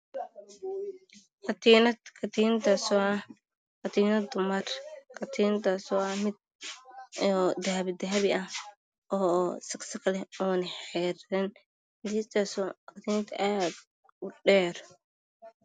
Waa katiinad dumar oo dahabi ah oona saqsaq leh, katiinadaas oo aad u dheer.